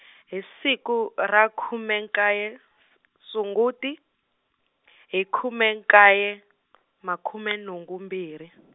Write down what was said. hi siku ra khume nkaye Su- Sunguti , hi khume nkaye , makume nhungu mbirhi.